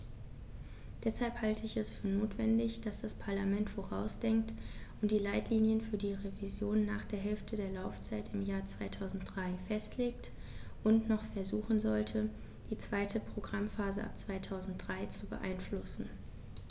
Deshalb halte ich es für notwendig, dass das Parlament vorausdenkt und die Leitlinien für die Revision nach der Hälfte der Laufzeit im Jahr 2003 festlegt und noch versuchen sollte, die zweite Programmphase ab 2003 zu beeinflussen.